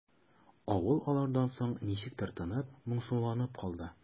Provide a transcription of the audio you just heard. Авыл алардан соң ничектер тынып, моңсуланып калды.